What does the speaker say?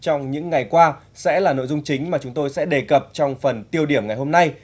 trong những ngày qua sẽ là nội dung chính mà chúng tôi sẽ đề cập trong phần tiêu điểm ngày hôm nay